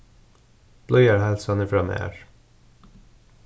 blíðar heilsanir frá mær